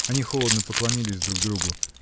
они холодно поклонились друг другу.